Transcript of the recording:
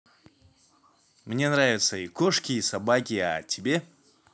мне нравятся и кошки и собаки а тебе